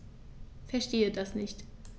Verstehe das nicht.